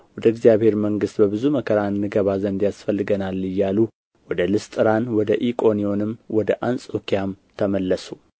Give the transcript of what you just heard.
ወደ እግዚአብሔር መንግሥት በብዙ መከራ እንገባ ዘንድ ያስፈልገናል እያሉ ወደ ልስጥራን ወደ ኢቆንዮንም ወደ አንጾኪያም ተመለሱ